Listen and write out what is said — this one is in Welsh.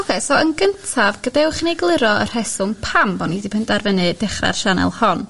Oce so yn gyntaf gadewch i ni egluro y rheswm pam bo' ni 'di penderfynu dechra'r sianel hon.